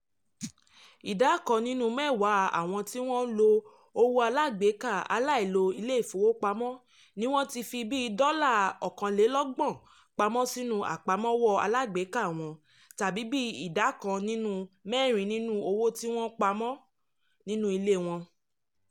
Ìdá kan nínú mẹ́wàá àwọn tí wọ́n ń lo owó alágbèéká aláìlo-ilé-ìfowópamọ̀ ni wọ́n tí ń fi bíi $31 pamọ́ sínú àpamọ́wọ́ alágbèéká wọn, tàbí bíi idà kan nínú mẹ́rin nínú owó tí wọ́n ń pamọ́ nínú ilé wọn.